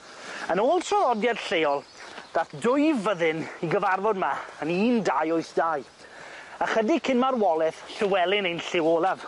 Yn ôl traddodiad lleol, dath dwy fyddin i gyfarfod 'ma yn un dau wyth dau ychydig cyn marwolaeth Llywelyn ein llyw olaf.